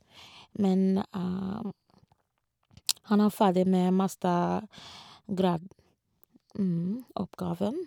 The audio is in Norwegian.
Men han er ferdig med mastergradoppgaven.